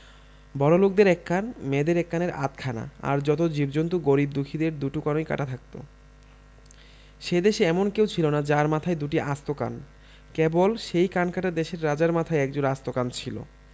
বড়োলোকদের এক কান মেয়েদের এক কানের আধখানা আর যত জীবজন্তু গরিব দুঃখীদের দুটি কানই কাটা থাকত সে দেশে এমন কেউ ছিল না যার মাথায় দুটি আস্ত কান কেবল সেই কানকাটা দেশের রাজার মাথায় একজোড়া আস্ত কান ছিল